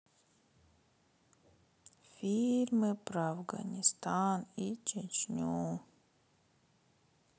фильмы про афганистан и чечню